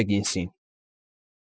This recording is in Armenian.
Բեգինսին։